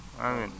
amiin